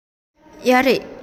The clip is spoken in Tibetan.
ཡོད རེད